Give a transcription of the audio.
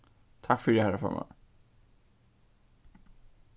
takk fyri harra formaður